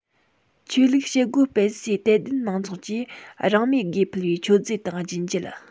ཆོས ལུགས བྱེད སྒོ སྤེལ སས དད ལྡན མང ཚོགས ཀྱིས རང མོས སྒོས ཕུལ བའི མཆོད རྫས དང སྦྱིན འགྱེད